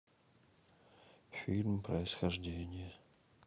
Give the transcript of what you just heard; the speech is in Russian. фильм происхождение